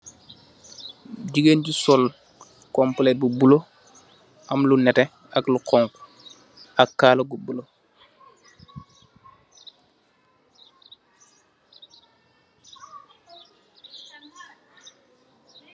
Gigeen ju sol kompulet bu bula am lu neteh ak lu xonxu ak kala gu bula.